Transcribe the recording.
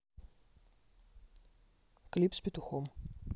клип с петухом